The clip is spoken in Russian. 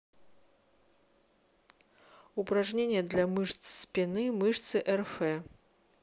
упражнения для мышц спины мышцы рф